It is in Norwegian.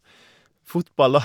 Fotball, da.